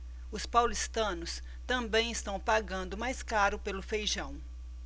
os paulistanos também estão pagando mais caro pelo feijão